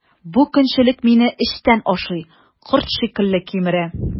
Бу көнчелек мине эчтән ашый, корт шикелле кимерә.